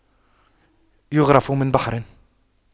يَغْرِفُ من بحر